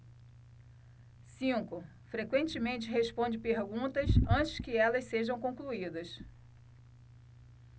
cinco frequentemente responde perguntas antes que elas sejam concluídas